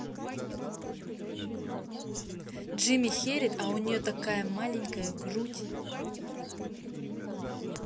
jimmy херит а у нее такая маленькая грудь